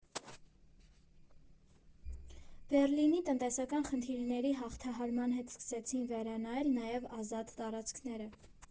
Բեռլինի տնտեսական խնդիրների հաղթահարման հետ սկսեցին վերանալ նաև ազատ տարածքները.